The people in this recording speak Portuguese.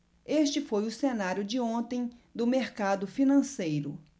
este foi o cenário de ontem do mercado financeiro